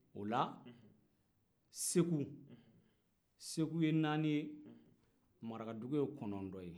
ola segu segu ye naani ye marakadugu ye kɔnɔntɔn ye